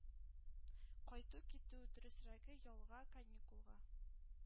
Кайту-китү, дөресрәге, ялга, каникулга,